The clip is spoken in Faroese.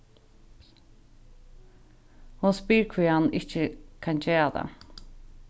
hon spyr hví hann ikki kann gera tað